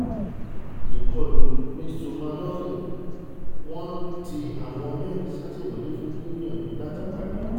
Ìkọlù Midsomer Norton: wọn tì awon mẹ́rin ́sátìmọ́lé fún gbìgbìyànjú láti pànìyàn